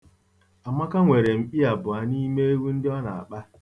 Amaka nwere mkpi abụọ n'ime ewu ndị ọ na-akpa.